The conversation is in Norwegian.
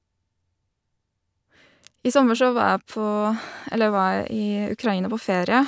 I sommer så var jeg på eller var jeg i Ukraina på ferie.